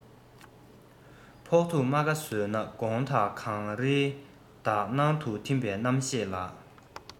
ཕོག ཐུག རྨ ཁ བཟོས ན དགོངས དག གངས རིའི དག སྣང དུ ཐིམ པའི རྣམ ཤེས ལ